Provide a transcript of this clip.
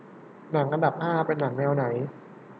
หนังอันดับห้าเป็นหนังแนวไหน